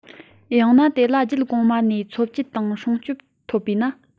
ཡང ན དེ ལ རྒྱུད གོང མ ནས འཚོ བཅུད དང སྲུང སྐྱོབ ཐོབ པས ན